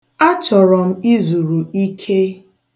A chọrọ izuru ike.